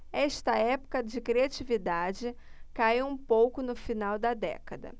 esta época de criatividade caiu um pouco no final da década